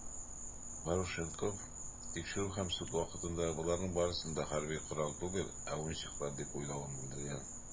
Парушенков тикшерү һәм суд вакытында, боларның барысын да хәрби корал түгел, ә уенчыклар дип уйлавын белдергән.